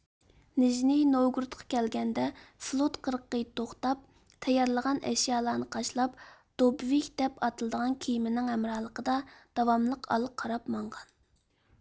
نىژنى نوۋگورودقا كەلگەندە فلوت قىرغىقىدا توختاپ تەييارلىغان ئەشيالارنى قاچىلاپ دۇبۋىك دەپ ئاتىلىدىغان كېمىنىڭ ھەمراھلىقىدا داۋاملىق ئالغا قاراپ ماڭغان